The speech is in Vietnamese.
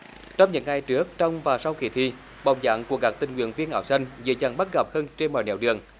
trong những ngày trước trong và sau kỳ thi bóng dáng của các tình nguyện viên áo xanh dễ dàng bắt gặp hưng trên mọi nẻo đường